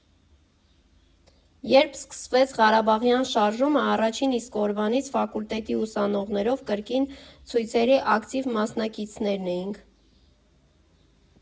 , երբ սկսվեց Ղարաբաղյան շարժումը, առաջին իսկ օրվանից ֆակուլտետի ուսանողներով կրկին ցույցերի ակտիվ մասնակիցներն էինք։